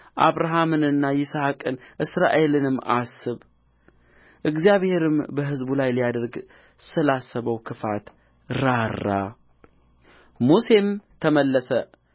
አብርሃምንና ይስሐቅን እስራኤልንም አስብ እግዚአብሔርም በሕዝቡ ላይ ሊያደርግ ስላሰበው ክፋት ራራ ሙሴም ተመለሰ